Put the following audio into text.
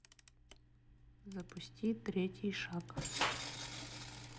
запусти третий шаг